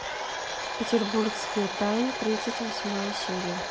петербургские тайны тридцать восьмая серия